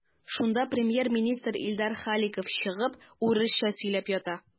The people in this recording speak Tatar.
Шунда премьер-министр Илдар Халиков чыгып урысча сөйләп ята.